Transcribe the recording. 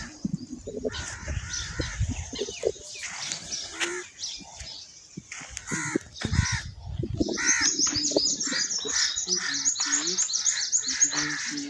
Meeshan waxaa iiga muuqda cagaf cagaf midabkeedu yahay jaalo dhulka ayay xaqaysaa guri ayaa ka dambeeyay